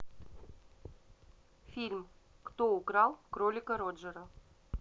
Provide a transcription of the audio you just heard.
фильм кто украл кролика роджера